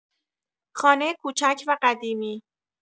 خانه کوچک و قدیمی